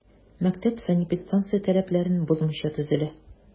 Мәктәп санэпидстанция таләпләрен бозмыйча төзелә.